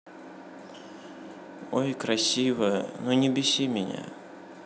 ой красивая но не беси меня